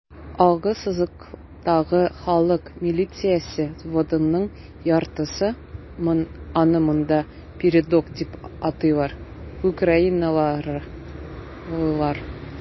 Алгы сызыктагы халык милициясе взводының яртысы (аны монда "передок" дип атыйлар) - украиналылар.